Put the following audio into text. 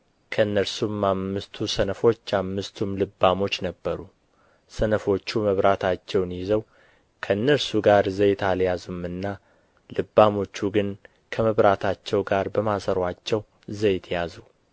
ከእነርሱም አምስቱ ሰነፎች አምስቱም ልባሞች ነበሩ ሰነፎቹ መብራታቸውን ይዘው ከእነርሱ ጋር ዘይት አልያዙምና ልባሞቹ ግን ከመብራታቸው ጋር በማሰሮአቸው ዘይት ያዙ